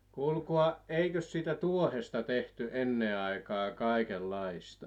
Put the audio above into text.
kuulkaa eikös siitä tuohesta tehty ennen aikaan kaikenlaista